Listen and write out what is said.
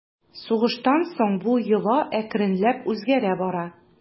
Сугыштан соң бу йола әкренләп үзгәрә бара.